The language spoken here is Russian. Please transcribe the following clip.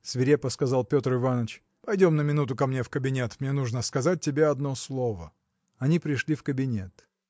– свирепо сказал Петр Иваныч, – пойдем на минуту ко мне в кабинет мне нужно сказать тебе одно слово. Они пришли в кабинет.